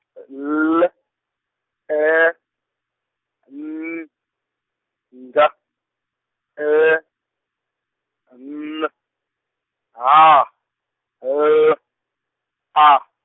L, E, N, G, E, N, H, L, A.